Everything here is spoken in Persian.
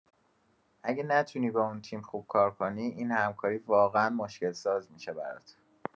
اگه نتونی با اون تیم خوب کار کنی، این همکاری واقعا مشکل‌ساز می‌شه برات.